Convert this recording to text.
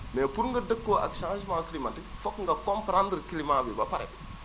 mais pour nga dëppoo ak changement climatique foog nga comprendre climat bi ba pâre